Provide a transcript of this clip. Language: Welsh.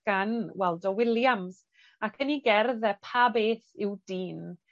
gan Waldo William, ac yn 'i gerdd e Pa Beth yw Dyn?